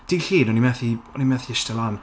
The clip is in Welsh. Dydd llun, o'n i'n methu... o'n i'n methu ishte lan.